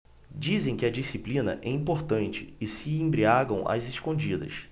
dizem que a disciplina é importante e se embriagam às escondidas